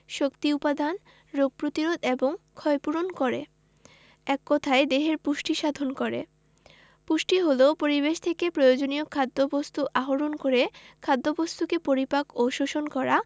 রোগ প্রতিরোধ এবং ক্ষয়পূরণ করে এক কথায় দেহের পুষ্টি সাধন করে পুষ্টি হলো পরিবেশ থেকে প্রয়োজনীয় খাদ্যবস্তু আহরণ করে খাদ্যবস্তুকে পরিপাক ও শোষণ করা